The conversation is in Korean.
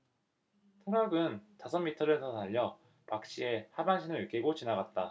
트럭은 다섯 미터를 더 달려 박씨의 하반신을 으깨고 지나갔다